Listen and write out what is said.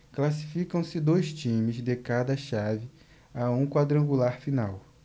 classificam-se dois times de cada chave a um quadrangular final